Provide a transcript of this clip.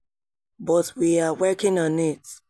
But we are working on it.